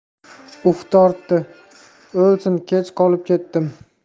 uf tortdi o'lsin kech qolib ketdim